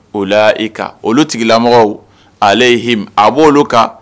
O la i ka olu tigilamɔgɔw ale ye hmi a b' olu kan